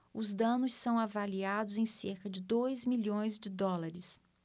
os danos são avaliados em cerca de dois milhões de dólares